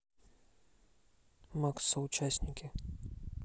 макс соучастники